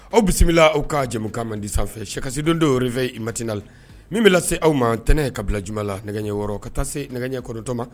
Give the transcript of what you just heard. Aw bisimila aw k ka jɛkan man di sanfɛ sikasidondo fɛ i matina la min bɛ se aw ma tɛnɛ ye kabila bila juma la nɛgɛ wɔɔrɔ ka taa se nɛgɛ ɲɛ kɔrɔtɔma